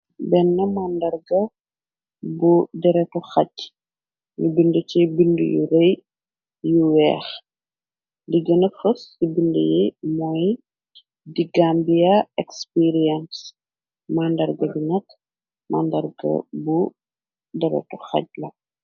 benn màndarga bu deretu xaj nu bind ci bind yu rey yu weex li gëna xës ci bind yi mooy diggaam bia experience màndarga dunat màndarga bu deretu xaj la.